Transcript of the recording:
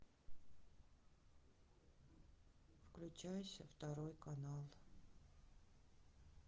включайся второй канал